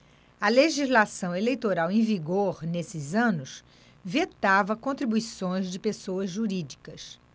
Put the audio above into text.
a legislação eleitoral em vigor nesses anos vetava contribuições de pessoas jurídicas